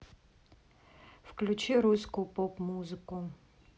включи русскую поп музыку